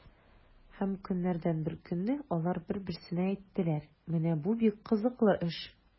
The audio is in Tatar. Һәм көннәрдән бер көнне алар бер-берсенә әйттеләр: “Менә бу бик кызыклы эш!”